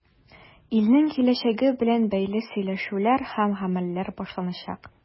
Илнең киләчәге белән бәйле сөйләшүләр һәм гамәлләр башланачак.